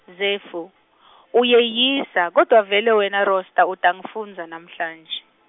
Zefu, Uyeyisa, kodvwa vele wena Rosta utangifundza namhla nje.